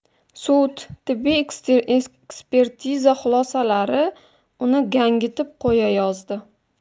sud tibbiy ekspertiza xulosalari uni gangitib qo'yayozdi